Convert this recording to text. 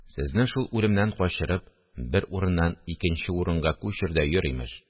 – сезне шул үлемнән качырып, бер урыннан икенче урынга күчер дә йөр, имеш